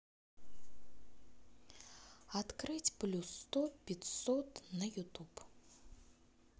открыть плюс сто пятьсот на ютуб